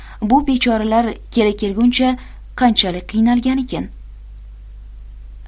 bu bechoralar kela kelguncha qanchalik qiynalganikin